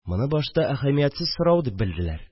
Моны башта әһәмиятсез сорау дип белделәр